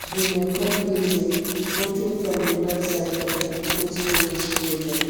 The Mekong Basin. Photo from the website of The People's Stories project.